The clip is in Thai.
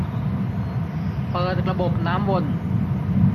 เปิดระบบน้ำวน